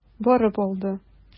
Барып алды.